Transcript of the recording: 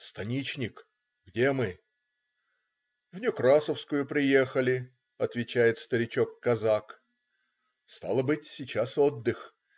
"Станичник, где мы?" - "В Некрасовскую приехали",- отвечает старичок казак. Стало быть, сейчас отдых.